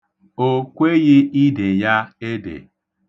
O kweghị ide ya ede.